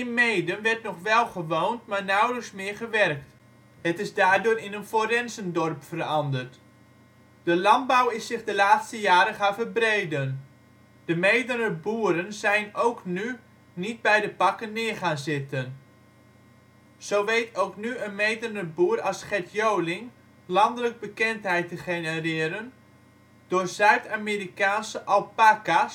Meeden werd nog wel gewoond, maar nauwelijks meer gewerkt; het is daardoor in een forenzendorp veranderd. De landbouw is zich de laatste jaren gaan verbreden. De Meedener boeren zijn ook nu niet bij de pakken neer gaan zitten. Zo weet ook nu een Meedener boer als Gert Joling landelijk bekendheid te genereren door Zuid-Amerikaanse Alpaca